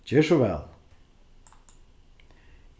ger so væl